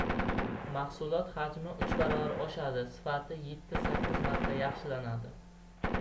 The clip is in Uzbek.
mahsulot hajmi uch baravar oshadi sifati yetti sakkiz marta yaxshilanadi